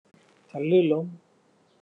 ฉันลื่นล้ม